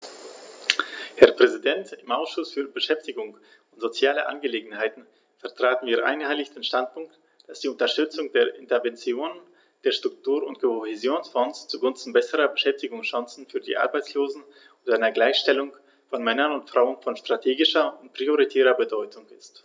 Herr Präsident, im Ausschuss für Beschäftigung und soziale Angelegenheiten vertraten wir einhellig den Standpunkt, dass die Unterstützung der Interventionen der Struktur- und Kohäsionsfonds zugunsten besserer Beschäftigungschancen für die Arbeitslosen und einer Gleichstellung von Männern und Frauen von strategischer und prioritärer Bedeutung ist.